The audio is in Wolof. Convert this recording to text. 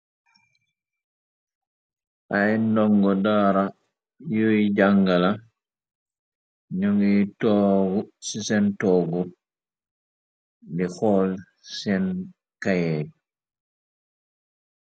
Ay ndongo daara, ñuy janga la. ñu ngi toog ci sen toogu di xool sen kayéey.